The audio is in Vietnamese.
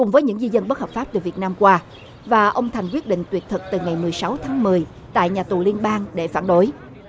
cùng với những di dân bất hợp pháp từ việt nam qua và ông thành quyết định tuyệt thực từ ngày mười sáu tháng mười tại nhà tù liên bang để phản đối